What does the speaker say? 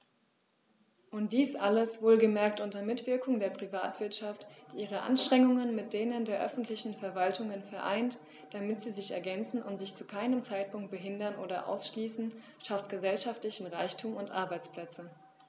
Und dies alles - wohlgemerkt unter Mitwirkung der Privatwirtschaft, die ihre Anstrengungen mit denen der öffentlichen Verwaltungen vereint, damit sie sich ergänzen und sich zu keinem Zeitpunkt behindern oder ausschließen schafft gesellschaftlichen Reichtum und Arbeitsplätze.